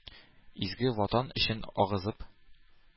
Изге Ватан өчен агызып,